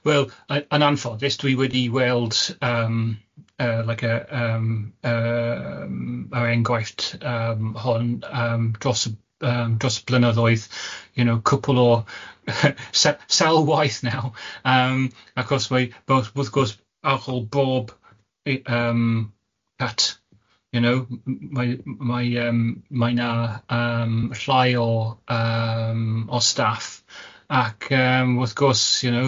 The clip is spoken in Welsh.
Wel, yn anffodus, dwi wedi weld yym yy like y yym yym yr enghrhaifft yym hon yym dros y yym dros y blynyddoedd, you know, cwpwl o sel- salwaith nawr, yym achos mae wrth gwrs ar ôl bob yy yym cut, you know, mae mae yym mae yym mae yna yym llai o yym o staff ac yym wrth gwrs, you know,